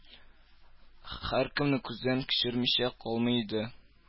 Һәркемне күздән кичермичә калмый иде.